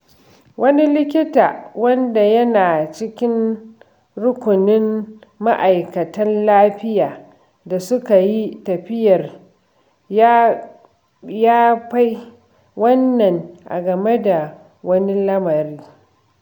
Wani likita wanda yana cikin rukunin ma'aikatan lafiya da suka yi tafiyar ya fai wannan a game da wani lamari: